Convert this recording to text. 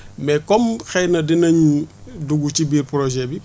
mais comme xëy na dinañ dugg ci biir projet bi